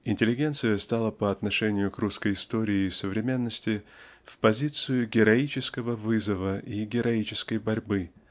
Интеллигенция стала по отношению к русской истории и современности в позицию героического вызова и героической борьбы